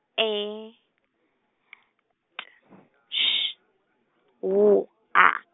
E , T Š, W A.